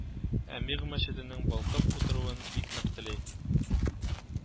Әмиръ мәчетенең балкып утыруын бик нык тели